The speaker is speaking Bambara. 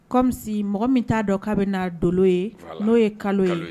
Comme si mɔgɔ min t'a dɔn k'a bɛna na dolo ye n'o ye kalo ye.